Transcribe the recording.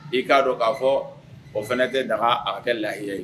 I k'a dɔn k'a fɔ o fana tɛ daga a kɛ lahiya ye